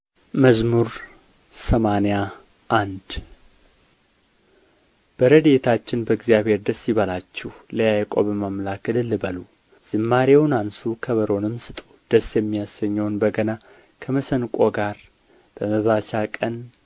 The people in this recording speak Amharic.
መዝሙር ሰማንያ አንድ በረድኤታችን በእግዚአብሔር ደስ ይበላችሁ ለያዕቆብም አምላክ እልል በሉ ዝማሬውን አንሡ ከበሮንም ስጡ ደስ የሚያሰኘውን በገና ከመሰንቆ ጋር በመባቻ ቀን